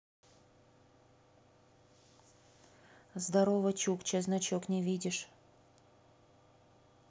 здорово чукча значок не видишь